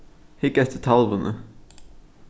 hygg eftir talvuni